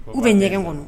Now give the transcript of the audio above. K'u bɛ ɲɛgɛn kɔnɔ